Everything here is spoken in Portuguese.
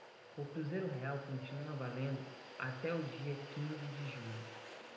o cruzeiro real continua valendo até o dia quinze de julho